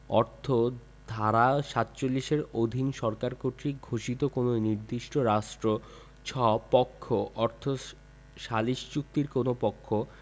অর্থ ধারা ৪৭ এর অধীন সরকার কর্তৃক ঘোষিত কোন নির্দিষ্ট রাষ্ট্র ছ পক্ষ অর্থ সালিস চুক্তির কোন পক্ষ